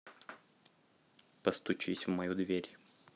постучись в мою дверь